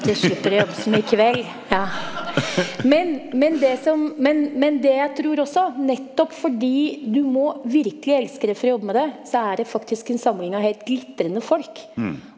du slipper å jobbe så mye kveld ja, men men det som men men det jeg tror også nettopp fordi du må virkelig elske det for å jobbe med det så er det faktisk en samling av helt glitrende folk.